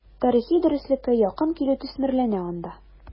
Тарихи дөреслеккә якын килү төсмерләнә анда.